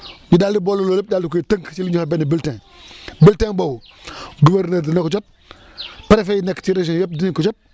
ñu daal di boole loolu yëpp daal di koy tënk ci li ñuy wax benn bulletin bulletin boobu gouverneur dana ko jot préfêt yi nekk ci région yëpp dinañ ko jot